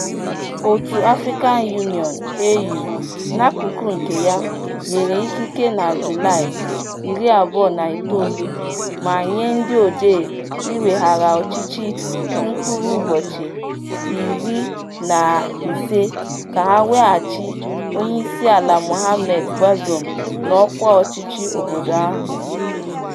Òtù African Union (AU), n'akụkụ nke ya, nyere ikike na Julaị 29 ma nye ndị odee iweghara ọchịchị mkpụrụ ụbọchị 15 ka ha weghachi onyeisiala Mohamed Bazoum n'ọkwá ọchịchị obodo ahụ.